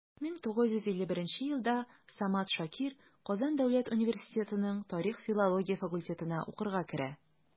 1951 елда самат шакир казан дәүләт университетының тарих-филология факультетына укырга керә.